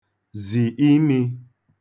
zì imi